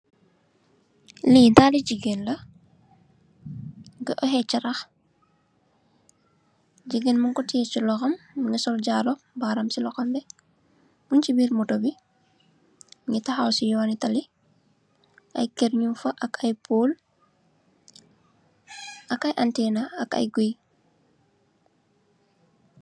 Li daali jigéen nung koy oyeah charah, jigéen mung kotè ci lohom mungi sol jaaro baram ci lohom bi. Mung chi moto bi, mungi tahaw ci yooni tali. Ay kër nung fa ak ay pool ak ay antenna ak ay gouyè.